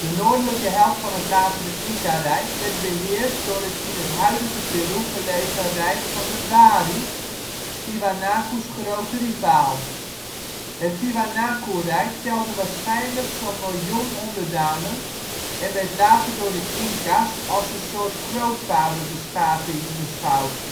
noordelijke helft van het latere Incarijk werd beheerst door het in het huidige Peru gelegen rijk van de Wari, Tiwanaku 's grote rivaal. Het Tiwanakurijk telde waarschijnlijk zo 'n miljoen onderdanen en werd later door de Inca 's als een soort grootvaderbeschaving beschouwd